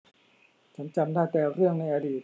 ฉันจำได้แต่เรื่องในอดีต